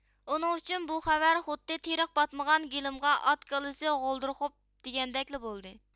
ئۇنىڭ ئۈچۈن بۇ خەۋەر خۇددى تېرىق پاتمىغان گېلىمغا ئات كاللىسى غولدۇر غوپ دېگەندەكلا بولدى